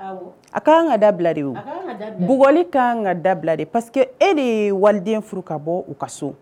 A k' kan ka dabila de bugli k' kan ka dabila de que e de ye waliden furu ka bɔ u ka so